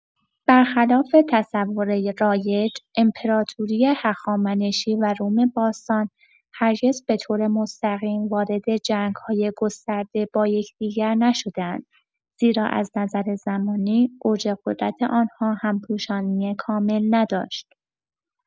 برخلاف تصور رایج، امپراتوری هخامنشی و روم باستان هرگز به‌صورت مستقیم وارد جنگ‌های گسترده با یکدیگر نشدند، زیرا از نظر زمانی، اوج قدرت آن‌ها هم‌پوشانی کامل نداشت.